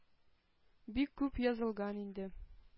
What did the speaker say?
Бик күп язылган инде.